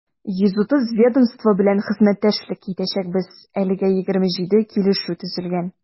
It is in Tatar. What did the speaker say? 130 ведомство белән хезмәттәшлек итәчәкбез, әлегә 27 килешү төзелгән.